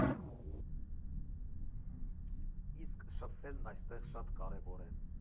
Իսկ շփվելն այստեղ շատ կարևոր է։